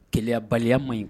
Gɛlɛyayabaliya man ɲi